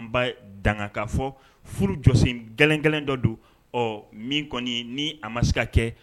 Anba dankan fɔ furu jɔsen gɛlɛn gɛlɛn dɔ don ɔ min kɔni ni a ma se ka kɛ